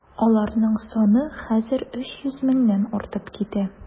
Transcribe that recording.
Аларның саны хәзер 300 меңнән артып китә.